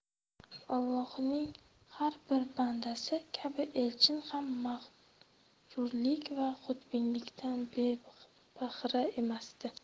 ollohning har bir bandasi kabi elchin ham mag'rurlik va xudbinlikdan bebahra emasdi